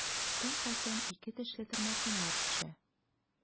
Тол хатын ике тешле тырмасын алып төшә.